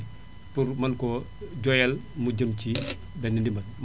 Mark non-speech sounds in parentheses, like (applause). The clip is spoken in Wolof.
pour mën koo joyal mu jëm cii (noise) benn ndimbal